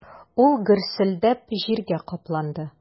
Ул гөрселдәп җиргә капланды.